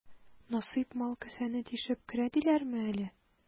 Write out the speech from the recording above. Насыйп мал кесәне тишеп керә диләрме әле?